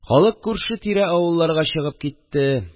Халык күрше-тирә авылларга чыгып китте